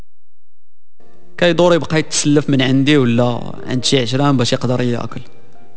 تسلف من عندي ولا عندك عشان بس يقدر ياكل